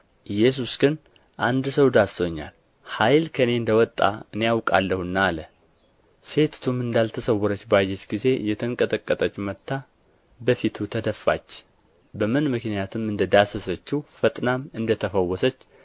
ኢየሱስ ግን አንድ ሰው ዳስሶኛል ኃይል ከእኔ እንደ ወጣ እኔ አውቃለሁና አለ ሴቲቱም እንዳልተሰወረች ባየች ጊዜ እየተንቀጠቀጠች መጥታ በፊቱ ተደፋች በምን ምክንያትም እንደ ዳሰሰችው ፈጥናም እንደ ተፈወሰች